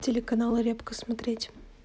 телеканал репка смотреть